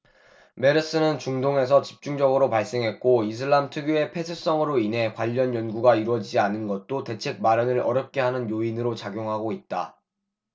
메르스는 중동에서 집중적으로 발생했고 이슬람 특유의 폐쇄성으로 인해 관련 연구가 이뤄지지 않은 것도 대책 마련을 어렵게 하는 요인으로 작용하고 있다